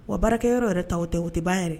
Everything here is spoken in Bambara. Wa baarakɛ yɔrɔ yɛrɛ ta o tɛ o tɛ ban yɛrɛ